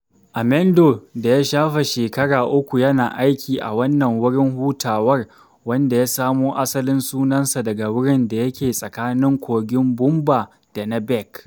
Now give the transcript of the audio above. Amendo ya shafe shekara uku yana aiki a wannan wurin hutawar, wanda ya samo asalin sunansa daga wurin da yake tsakanin kogin Boumba da na Bek.